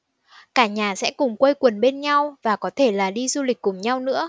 cả nhà sẽ cùng quay quần bên nhau và có thể là đi du lịch cùng nhau nữa